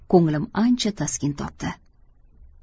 ko'nglim ancha taskin topdi